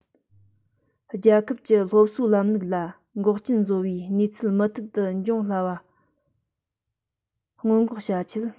རྒྱལ ཁབ ཀྱི སློབ གསོའི ལམ ལུགས ལ འགོག རྐྱེན བཟོ བའི གནས ཚུལ མུ མཐུད དུ འབྱུང བ སྔོན འགོག བྱ ཆེད